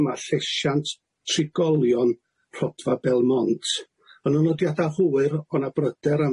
yma llesiant trigolion rhodfa Belmont yn anodiada hwyr o' 'na bryder